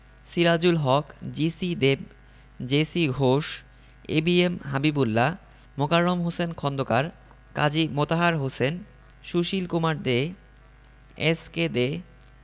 Sirajul Haque GC Deb JC Ghosh ABM Habibullah Mokarram Hossain Khondokar Kazi Motahar Hossain Sushil Kumar De SK they